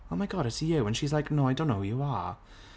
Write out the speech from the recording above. "Oh my god, it's you" and she's like "no I don't know who you are".